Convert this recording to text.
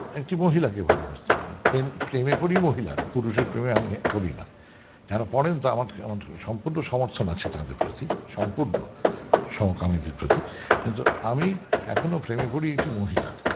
একটি মহিলাকে ভালবাসতাম প্রেমে পড়ি মহিলার পুরুষের প্রেমে আমি পড়িনা যারা পড়েন তারা সম্পূর্ণ সমর্থন আছে তাদের প্রতি সম্পূর্ণ সমকামীদের প্রতি কিন্তু আমি এখনও প্রেমে পড়ি একটি মহিলার